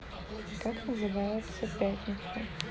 как называется пятницу